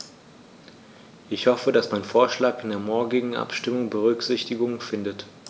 Ich hoffe, dass mein Vorschlag in der morgigen Abstimmung Berücksichtigung findet.